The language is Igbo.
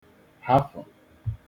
hafụ̀